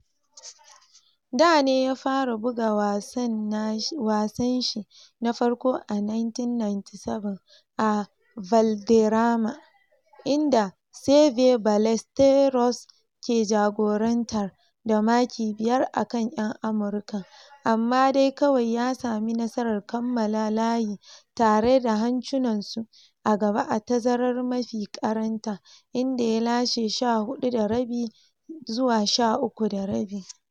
Dane ya fara bugawa wasan shi na farko a 1997 a Valderrama, inda Seve Ballesteros ke jagorantar da maki biyar a kan 'yan Amurkan amma dai kawai ya sami nasarar kammala layi tare da hancunan su a gaba a tazarar mafi karanta, inda ya lashe 14½- 13½.